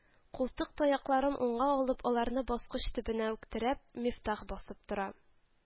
Култык таякларын уңга алып, аларны баскыч төбенә үк терәп, Мифтах басып тора